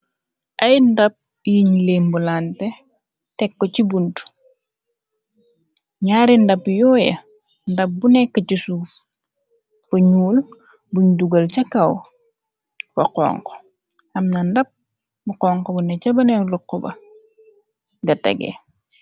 Ay ndap yiñ lem bu lante tekko ci bunt ñaari ndab yooya ndap bu nekk ci suuf ba ñuul buñ dugal ca kaw wa xonk amna ndap bu xonk bu nek ca baneen rukk ba ga tegee.